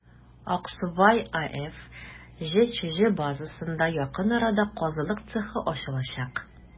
«аксубай» аф» җчҗ базасында якын арада казылык цехы ачылачак.